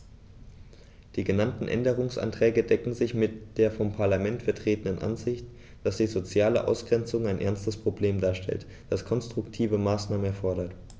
Die genannten Änderungsanträge decken sich mit der vom Parlament vertretenen Ansicht, dass die soziale Ausgrenzung ein ernstes Problem darstellt, das konstruktive Maßnahmen erfordert.